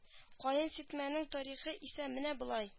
Каен сиртмәнең тарихы исә менә болай